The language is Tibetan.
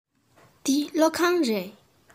འདི སློབ ཁང རེད